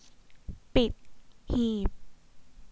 ปิดหีบ